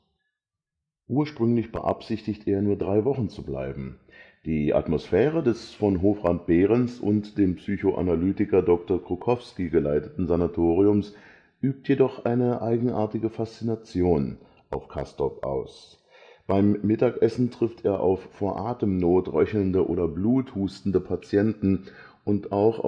Ursprünglich beabsichtigt er, nur drei Wochen zu bleiben. Die Atmosphäre des von Hofrat Behrens und dem Psychoanalytiker Dr. Krokowski geleiteten Sanatoriums übt jedoch eine eigenartige Faszination auf Castorp aus. Beim Mittagessen trifft er auf vor Atemnot röchelnde oder Blut hustende Patienten und auch